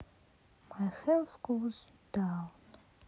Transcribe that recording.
май хелф коуз даун